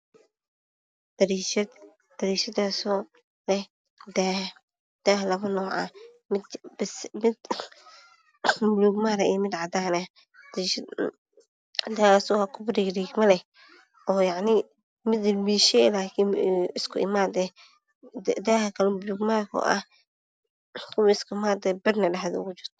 Waa dariishad leh daah labo nuuc ah mid buluug maari ah iyo mid cadaan ah. Mid riigriigmo leh iyo mid leesha birna dhexda oga jirto.